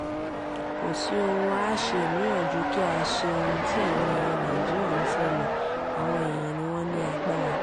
Kò sí ohun àáṣe mìíràn ju kí á ṣe ohun tí àwọn èèyàn Nigeria ń fẹ́ lọ, àwọn èèyàn ni wọ́n ní agbára.